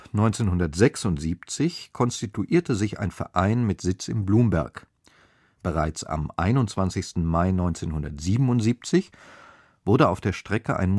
1976 konstituierte sich ein Verein mit Sitz in Blumberg. Bereits am 21. Mai 1977 wurde auf der Strecke ein